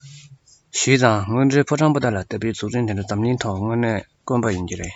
ཞུས ཙང དངོས འབྲེལ ཕོ བྲང པོ ཏ ལ ལྟ བུའི འཛུགས སྐྲུན དེ འདྲ འཛམ གླིང ཐོག དཀོན པོ རེད